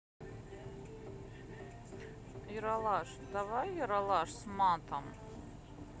ералаш давай ералаш с матом